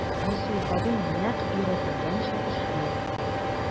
Мөслих абый нәкъ өйрәтелгәнчә эшли...